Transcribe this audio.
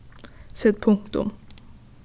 set punktum